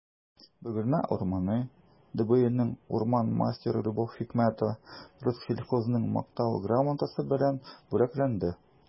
«бөгелмә урманы» дбинең урман мастеры любовь хикмәтова рослесхозның мактау грамотасы белән бүләкләнде